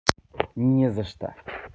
ни за что